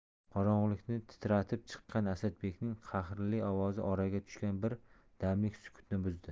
qorong'ilikni titratib chiqqan asadbekning qahrli ovozi oraga tushgan bir damlik sukutni buzdi